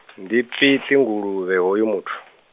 ndi Pieti Nguluvhe hoyu muthu.